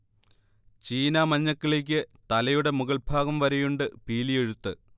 ചീന മഞ്ഞക്കിളിക്ക് തലയുടെ മുകൾഭാഗം വരെയുണ്ട് പീലിയെഴുത്ത്